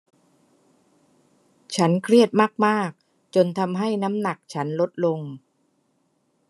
ฉันเครียดมากมากจนทำให้น้ำหนักฉันลดลง